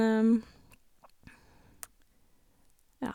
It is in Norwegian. Ja.